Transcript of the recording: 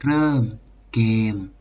เริ่มเกม